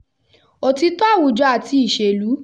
Òtítọ́ Àwùjọ àti Ìṣèlú